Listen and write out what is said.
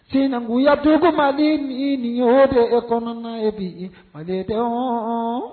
Sinankunya don ma ni nin bɛ e kɔnɔna ye bi ye manden tɛ